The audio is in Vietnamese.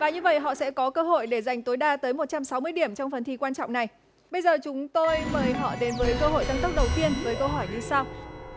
và như vậy họ sẽ có cơ hội để dành tối đa tới một trăm sáu mươi điểm trong phần thi quan trọng này bây giờ chúng tôi mời họ đến với cơ hội tăng tốc đầu tiên với câu hỏi như sau